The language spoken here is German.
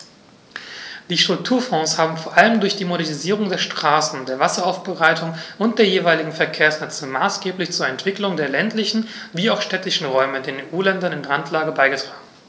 Die Strukturfonds haben vor allem durch die Modernisierung der Straßen, der Wasseraufbereitung und der jeweiligen Verkehrsnetze maßgeblich zur Entwicklung der ländlichen wie auch städtischen Räume in den EU-Ländern in Randlage beigetragen.